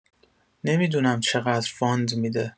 نمی‌دونم چقدر فاند می‌ده.